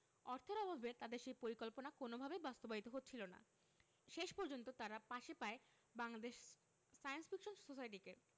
অর্থের অভাবে তাদের সেই পরিকল্পনা কোনওভাবেই বাস্তবায়িত হচ্ছিল না শেষ পর্যন্ত তারা পাশে পায় বাংলাদেশ সায়েন্স ফিকশন সোসাইটিকে